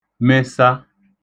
mesa